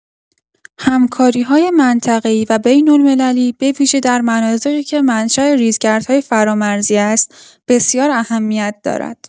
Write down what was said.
همکاری‌های منطقه‌ای و بین‌المللی، به‌ویژه در مناطقی که منشأ ریزگردها فرامرزی است، بسیار اهمیت دارد.